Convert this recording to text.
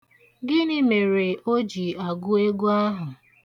Gịnị mere o ji agụ egwu ahụ?